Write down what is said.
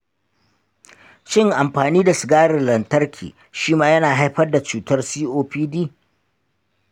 shin amfani da sigarin lantarki shima yana haifar da cutar copd?